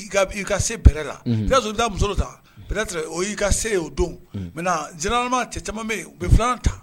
I ka i ka se bɛrɛ la unhun i be taa sɔrɔ i be taa muso dɔ ta peut-être o y'i ka se ye o don unhun maintenant généralement cɛ caman be ye u be 2 nan ta